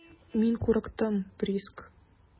Мин курыктым, Приск.